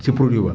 si produit ba